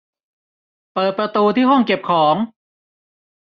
เปิดประตูที่ห้องเก็บของ